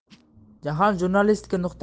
jahon jurnalistikasi nuqtai nazaridan